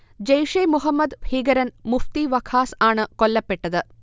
ജെയ്ഷെ മുഹമ്മദ് ഭീകരൻ മുഫ്തി വഖാസ് ആണ് കൊല്ലപ്പെട്ടത്